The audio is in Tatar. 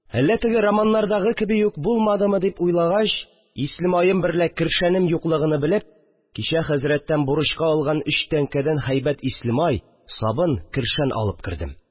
Әллә теге романнардагы кеби үк булмадымы дип бик уйлагач, исле маем берлә кершәнем юклыгыны белеп, кичә хәзрәттән бурычка алган өч тәңкәдән һәйбәт исле май, сабын, кершән алып кердем